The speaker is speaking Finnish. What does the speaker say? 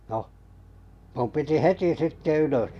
no minun piti heti sitten ylös